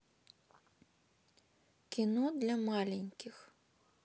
кино для маленьких